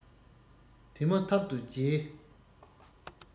དེ མ ཐག ཏུ རྒྱས